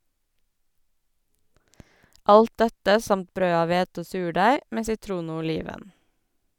Alt dette samt brød av hvete og surdeig, med sitron og oliven.